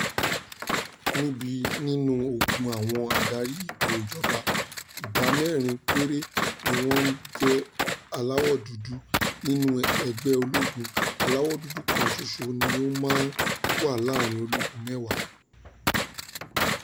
Níbí, nínú ogún àwọn adarí ipò ìjọba, ìdá mẹ́rin péré ni wọ́n jẹ́ aláwọ̀ dúdú. Nínú ẹgbẹ́ ológun, aláwọ̀ dúdú kan ṣoṣo ni ó máa ń wà láàárín ológun mẹ́wàá.